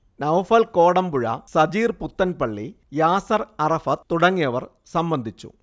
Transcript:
നൗഫൽ കോടമ്പുഴ, സുജീർ പുത്തൻപള്ളി, യാസർ അറഫാത് തുടങ്ങിയവർ സംബന്ധിച്ചു